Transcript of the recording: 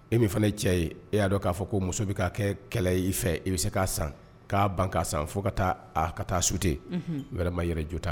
E min fana cɛ ye e y'a dɔn k'a fɔ ko muso bɛ ka kɛ kɛlɛ i fɛ e bɛ se k'a san k'a ban k'a san fo ka taa ka taa su ten wɛrɛ ma yɛrɛju ta